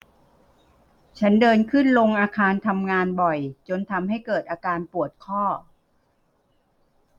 ฉันเดินขึ้นลงอาคารทำงานบ่อยจนทำให้เกิดอาการปวดข้อ